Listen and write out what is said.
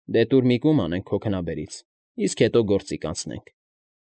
Դե տուր մի կում անենք քո քնաբերից, իսկ հետո գործի կանցնենք։